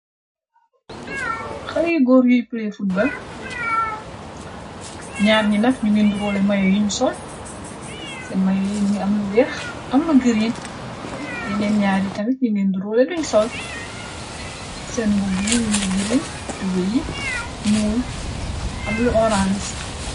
Xaleyi góor yuy play fotbal ñyaar yi nak ñungi nduróole mayo yuñ solse momuweex am lu giriin yeneen ñyaar yi tamit ñu ngi nduróole luñ sol seen bubbu yi ñu ngi giriin jube yi ñuul am lu orance.